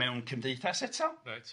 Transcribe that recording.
mewn cymdeithas eto... Reit.